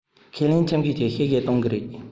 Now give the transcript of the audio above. ཁས ལེན ཁྱིམ གཞན གྱིས གཤེ གཤེ གཏོང ནི རེད